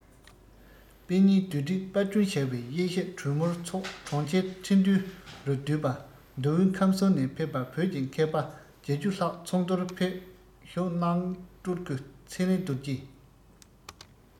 དཔེ རྙིང བསྡུ སྒྲིག པར སྐྲུན བྱ བའི དབྱེ ཞིབ གྲོས མོལ ཚོགས གྲོང ཁྱེར ཁྲིན ཏུའུ རུ བསྡུས པ མདོ དབུས ཁམས གསུམ ནས ཕེབས པ བོད ཀྱི མཁས པ ༨༠ ལྷག ཚོགས འདུར ཕེབས ཞུགས གནང སྤྲུལ སྐུ ཚེ རིང རྡོ རྗེ